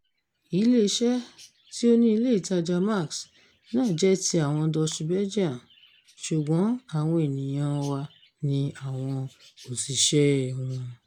Ilé-iṣẹ́ [tí ó ni ilé ìtajà Maxi] náà jẹ́ ti àwọn Dutch-Belgian ṣùgbọ́n àwọn ènìyàn-an wa ni àwọn òṣìṣẹ́ẹ wọn!